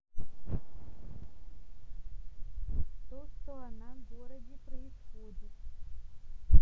то что она городе происходит